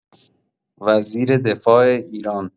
وزیر دفاع ایران